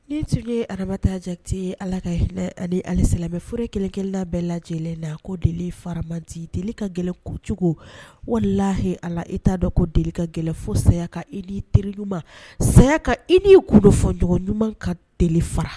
Nin tun ye arabata jatete ala ka ale alesaurere kɛlɛkɛlala bɛɛ lajɛ lajɛlen na ko deli faramanti deli ka gɛlɛnku cogo walahi a e t'a dɔn ko deli ka gɛlɛn fo saya ka e ni teri ɲuman saya ka i ni fɔɲɔgɔn ɲuman ka deli fara